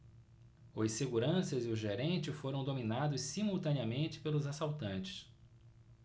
os seguranças e o gerente foram dominados simultaneamente pelos assaltantes